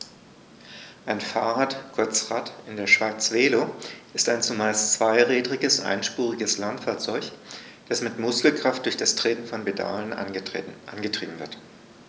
Ein Fahrrad, kurz Rad, in der Schweiz Velo, ist ein zumeist zweirädriges einspuriges Landfahrzeug, das mit Muskelkraft durch das Treten von Pedalen angetrieben wird.